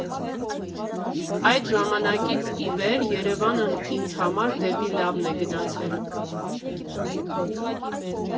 Այդ ժամանակից ի վեր Երևանն ինձ համար դեպի լավն է գնացել։